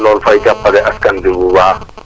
loolu fay jàppale askan bi bu baax